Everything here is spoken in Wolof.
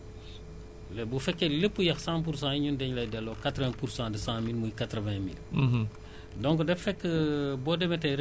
bu yàqu-yàqu amee ñun dañuy xayma ne bu fekkee lépp yàqu cent pour cent yi ñun dañu lay delloo quatre vingt pour cent de cent mille muy quatre vingt mille